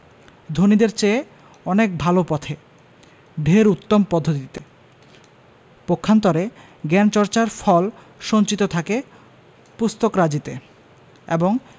ধনীদের চেয়ে অনেক ভালো পথে ঢের উত্তম পদ্ধতিতে পক্ষান্তরে জ্ঞানচর্চার ফল সঞ্চিত থাকে পুস্তকরাজিতে এবং